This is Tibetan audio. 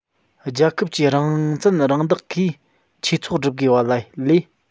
རྒྱལ ཁབ ཀྱིས རང བཙན རང བདག གིས ཆོས ཚོགས སྒྲུབ དགོས པ ལས